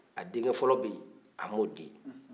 a denkɛ fɔlɔ bɛ yen a m'o di